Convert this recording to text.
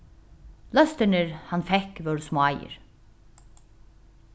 løstirnir hann fekk vóru smáir